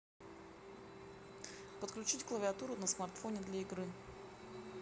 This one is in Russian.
подключить клавиатуру на смартфоне для игры